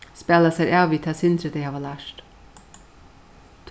spæla sær av við tað sindrið tey hava lært